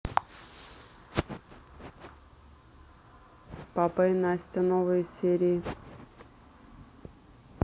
папа и настя новые серии